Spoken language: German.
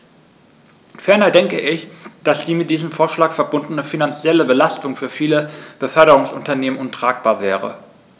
Ferner denke ich, dass die mit diesem Vorschlag verbundene finanzielle Belastung für viele Beförderungsunternehmen untragbar wäre.